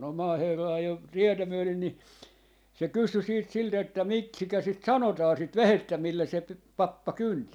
no maaherra ajoi tietä myöden niin se kysyi sitten siltä että miksikä sitä sanotaan sitä vehjettä millä se - pappa kynti